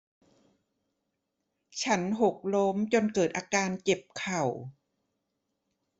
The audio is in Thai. ฉันหกล้มจนเกิดอาการเจ็บเข่า